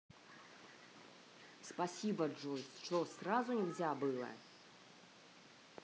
спасибо джой что сразу нельзя было